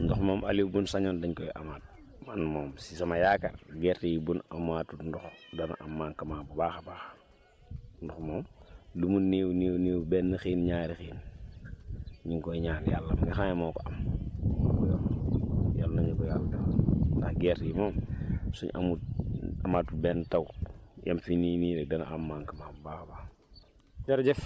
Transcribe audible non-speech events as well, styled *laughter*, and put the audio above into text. *noise* ndox moom Aliou buñ sañoon dañ koy amaat man moomsi sama yaakaar gerte yi buñ amaatul ndox dana am manquement bu baax a baax ndox moom lu mu néew néew benn xiin ñaari xiin ñu ngi koy ñaan yàlla *noise* mi nga xam ne moo ko am *noise* yal na ñu ko yàlla defal ndax gerte gi moom *noise* suñ amut amaatul benn taw yem fii nii nii rek dana am manquement bu baax a baax